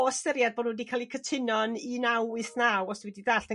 o ystyried bo' n'w edi ca'l eu cytuno yn un naw wyth naw os dwi 'di dallt yn